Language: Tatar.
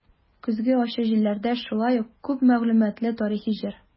"көзге ачы җилләрдә" шулай ук күп мәгълүматлы тарихи җыр.